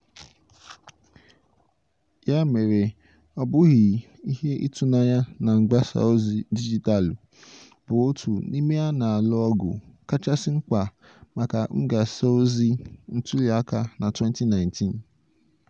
Ya mere, ọ bụghị ihe ịtụnanya na mgbasa ozi dijitalụ bụ otu n'ime ebe a na-alụ ọgụ kachasị mkpa maka mgasa ozi ntụliaka na 2019.